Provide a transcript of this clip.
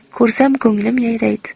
ko'rsam ko'nglim yayraydi